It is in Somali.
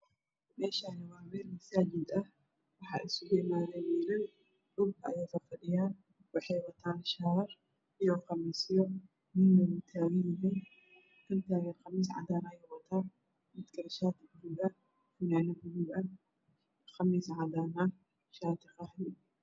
Meeshaan waa meel masaajid ah waxaa iskugu imaadan niman dhulka ayay fafadhiyaan waxay wataan shaarar iyo qamiisyo midna waxuu wataa wiil eh dhul taagan qamiis cadaan ayuu wataa mid kale shaati baluug fanaanad baluug ah qamiis cadaan ah shaati qaxwi.